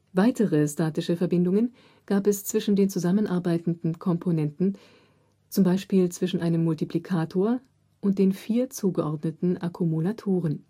Weitere statische Verbindungen gab es zwischen den zusammenarbeitenden Komponenten (z. B. zwischen einem Multiplikator und den 4 zugeordneten Akkumulatoren